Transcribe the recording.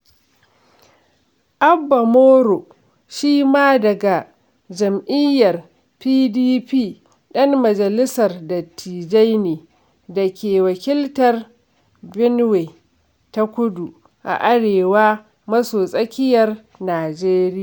Abba Moro shi ma daga jam'iyyar PDP ɗan majalisar dattijai ne da ke wakiltar Benue ta Kudu a Arewa maso tsakiyar Nijeriya.